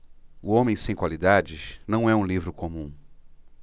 o homem sem qualidades não é um livro comum